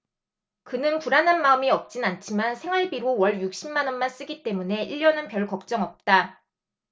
그는 불안한 마음이 없진 않지만 생활비로 월 육십 만원만 쓰기 때문에 일 년은 별걱정 없다